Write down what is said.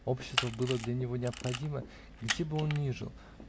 Общество было для него необходимо, где бы он ни жил